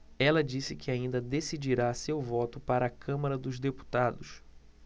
ela disse que ainda decidirá seu voto para a câmara dos deputados